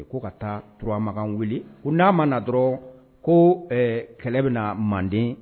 Ko ka taa turamagan wele n'a ma dɔrɔn ko kɛlɛ bɛ na manden